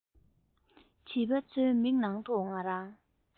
བྱིས པ ཚོའི མིག ནང དུ ང རང